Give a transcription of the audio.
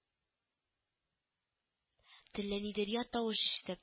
Төнлә ниндидер ят тавыш ишетеп